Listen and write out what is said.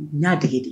N y'a dege de.